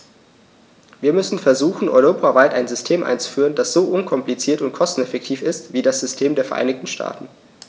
Wir müssen versuchen, europaweit ein System einzuführen, das so unkompliziert und kosteneffektiv ist wie das System der Vereinigten Staaten.